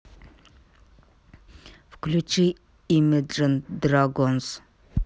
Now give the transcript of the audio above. включи имэджн драгонс